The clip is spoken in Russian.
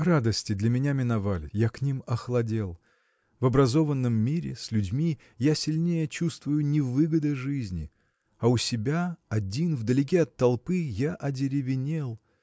Радости для меня миновали; я к ним охладел. В образованном мире с людьми я сильнее чувствую невыгоды жизни а у себя один вдалеке от толпы я одеревенел